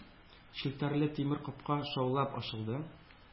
Челтәрле тимер капка шаулап ачылды.